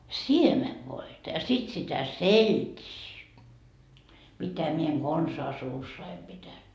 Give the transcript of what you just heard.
siemenvoita ja sitten sitä seltiä mitä minä en konsaan suussani pitänyt